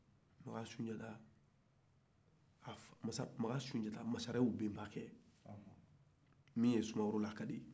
makan sunjata masarew bɛnbakɛ min ye sumaworo lakari